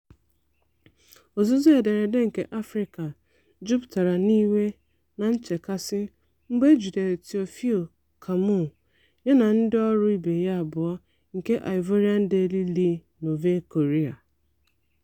Ozuzu ederede nke Afrịka jupụtara n'iwe na nchekasị mgbe e jidere Théophile Kouamouo ya na ndịọrụ ibe ya abụọ nke Ivorian Daily Le Nouveau Courrier.